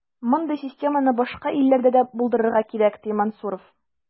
Мондый системаны башка илләрдә дә булдырырга кирәк, ди Мансуров.